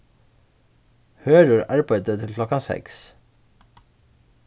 hørður arbeiddi til klokkan seks